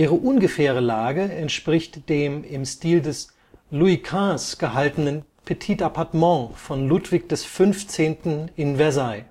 ungefähre Lage entspricht dem im Stil des Louis-quinze gehaltenen Petit Appartement von Ludwig XV. in Versailles